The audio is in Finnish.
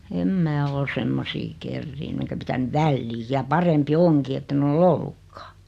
en minä ole semmoisia kerinnyt enkä pitänyt väliin ja parempi onkin että en ole ollutkaan